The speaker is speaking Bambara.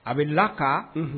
A be lakaa unhun